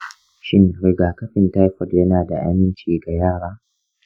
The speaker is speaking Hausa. shin rigakafin taifoid yana da aminci ga yara?